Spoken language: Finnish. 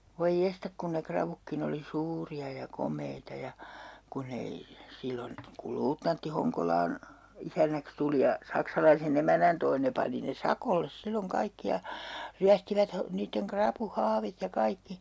voi jestas kun ne ravutkin oli suuria ja komeita ja kun ei silloin kun luutnantti Honkolaan isännäksi tuli ja saksalaisen emännän toi ne pani ne sakolle silloin kaikki ja ryöstivät - niiden rapuhaavit ja kaikki